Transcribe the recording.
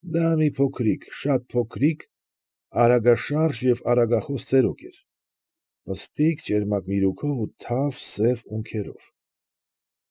Դա մի փոքրիկ, շատ փոքրիկ, արագաշարժ և արագախոս ծերուկ էր, պստիկ, ճերմակ միրուքով ու թավ, սև ունքերով։